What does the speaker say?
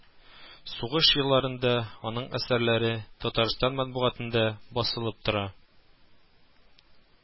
Сугыш елларында аның әсәрләре Татарстан матбугатында басылып тора